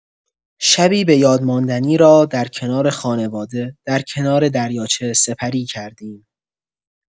شبی بۀاد ماندنی را در کنار خانواده در کنار دریاچه سپری کردیم.